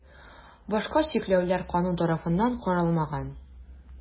Башка чикләүләр канун тарафыннан каралмаган.